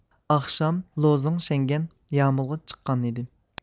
ئاخشام لوزۇڭ شەڭگەن يامۇلغا چىققانىدى